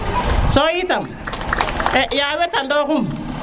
so i tam ya weta no xum